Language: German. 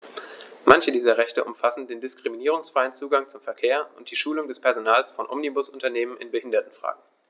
Manche dieser Rechte umfassen den diskriminierungsfreien Zugang zum Verkehr und die Schulung des Personals von Omnibusunternehmen in Behindertenfragen.